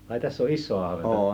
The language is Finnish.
ai tässä on isoa ahventa